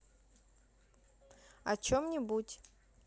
о чем нибудь